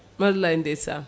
wallay ndeysan